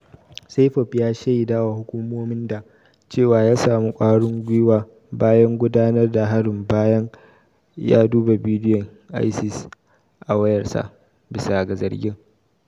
Saipov ya shaida wa hukumomin da cewa ya samu kwarin guiwa bayan gudanar da harin bayan ya duba bidiyon ISIS a wayarsa, bisa ga zargin.